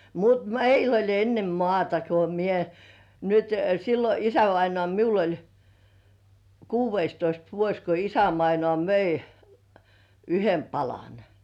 mutta meillä oli ennen maata kun minä nyt silloin isävainaa minulla oli kuudestoista vuosi kun isävainaa myi yhden palan